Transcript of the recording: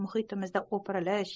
muhitimizda o'pirilish